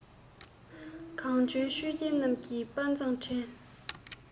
གོང བྱོན ཆོས རྒྱལ རྣམས ཀྱིས དཔའ མཛངས དྲན